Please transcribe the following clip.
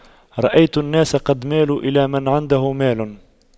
رأيت الناس قد مالوا إلى من عنده مال